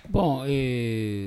Bɔn